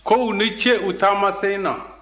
ko u ni ce u taamasen na